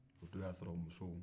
o don y'a sɔrɔ musow